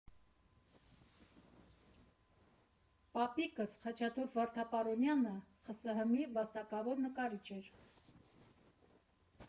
Պապիկս՝ Խաչատուր Վարդպարոնյանը, ԽՍՀՄ֊ի վաստակավոր նկարիչ էր։